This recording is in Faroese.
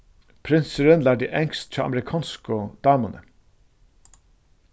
prinsurin lærdi enskt hjá amerikonsku damuni